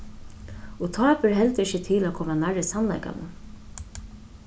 og tá ber heldur ikki til at koma nærri sannleikanum